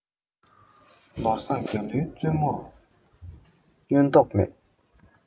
ནོར བཟང རྒྱ ལུའི བཙུན མོར ཉན མདོག མེད